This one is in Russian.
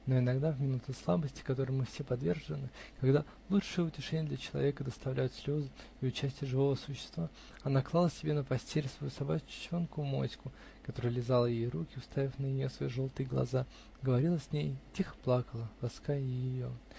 но иногда, в минуты слабости, которым мы все подвержены, когда лучшее утешение для человека доставляют слезы и участие живого существа, она клала себе на постель свою собачонку моську (которая лизала ее руки, уставив на нее свои желтые глаза), говорила с ней и тихо плакала, лаская ее.